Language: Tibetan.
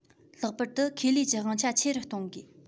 ལྷག པར དུ ཁེ ལས ཀྱི དབང ཆ ཆེ རུ གཏོང དགོས